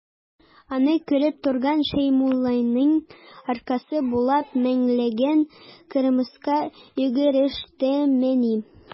Аны күреп торган Шәймулланың аркасы буйлап меңләгән кырмыска йөгерештемени.